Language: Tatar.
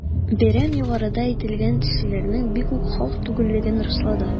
Бәйрәм югарыда әйтелгән сүзләрнең бигүк хак түгеллеген раслады.